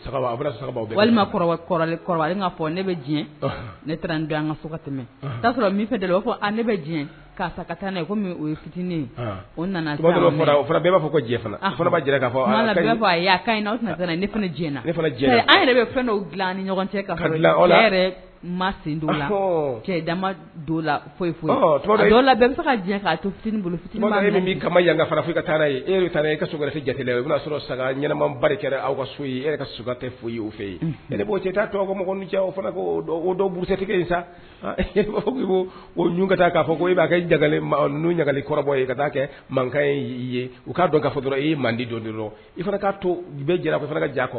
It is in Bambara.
Balima ne bɛ diɲɛ ne taara don an ka sokɛ tɛmɛ' sɔrɔ ne bɛ diɲɛ' ka ye fitinin o nana b'a fɔ ko k' ne diɲɛ yɛrɛ fɛn dila ni ɲɔgɔn cɛ min kama yan fara fo ka e taara e ka so jate i sɔrɔ sagaɛnɛma ba kɛra aw ka so e ka sokɛka tɛ foyi ye' fɛ cɛ taa cɛ o ourutigi sa ka'a fɔ e b'a kɛ ɲagali kɔrɔ ye kaa kɛ ye y'i ye u'a dɔn dɔrɔn i ye mande i to bɛ jɛra ka diya